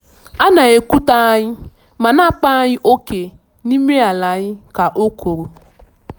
"A na-ekwutọ anyị ma na-akpa anyị ókè n'ime ala anyị," ka o kwuru.